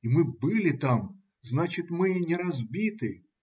И мы были там: значит, мы не разбиты.